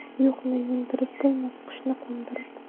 yo'qni yo'ndirib bo'lmas qushni qo'ndirib